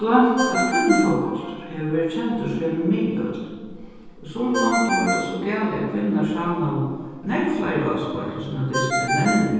gloymt at kvinnufótbóltur hevur verið kendur síðan í miðøld í summum londum var tað so galið at kvinnurnar savnaðu nógv fleiri áskoðarar til sínar dystir enn menninir